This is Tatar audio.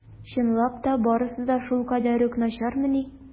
Чынлап та барысы да шулкадәр үк начармыни?